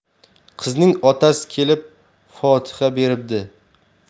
qizning otasi kelib fotiha beribdi